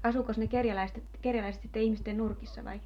asuikos ne kerjäläiset sitten ihmisten nurkissa vai